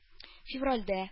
Февральдә